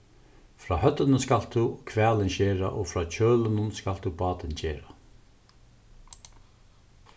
frá høvdinum skalt tú hvalin skera og frá kjølinum skalt tú bátin gera